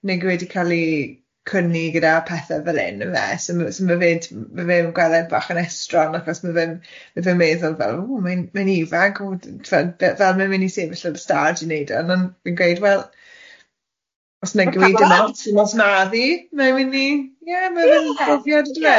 neu gwyd i ca'l i cwni gyda pethe fel hyn yfe so ma' so ma' fe'n tibod ma' fe'n gweld e bach yn estron achos ma' fe'n ma' fe'n meddwl fel o mae'n mae'n ifanc, o tibod be- fel mae'n mynd i sefyll ar y stage i neud o ond ond fi'n gweud wel, os na'n gweud yna wyt ti'n os maddi mae'n mynd i ie mae fe'n brofiad yndyfe... Ie.